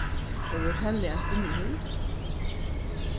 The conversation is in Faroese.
hevur hotellið ein svimjihyl